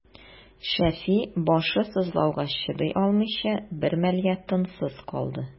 Шәфи, башы сызлауга чыдый алмыйча, бер мәлгә тынсыз калды.